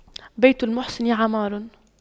بيت المحسن عمار